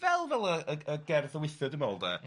...fel fel y y g- y gerdd ddwytha dwi'n meddwl de.